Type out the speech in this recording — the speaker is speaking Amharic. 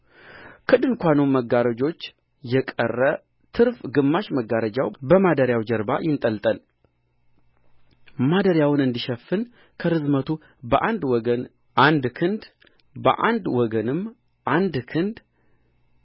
ከድንኳኑ መጋረጆች የቀረ ትርፍ ግማሽ መጋረጃ በማደሪያው ጀርባ ይንጠልጠል ማደሪያውን እንዲሸፍን ከርዝመቱ በአንድ ወገን አንድ ክንድ በአንድ ወገንም አንድ ክንድ